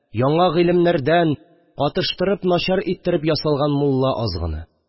Яңа гыйлемнәрдән катыштырып начар иттереп ясалган мулла азгыны